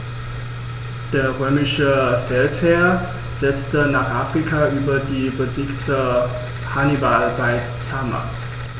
Der römische Feldherr setzte nach Afrika über und besiegte Hannibal bei Zama.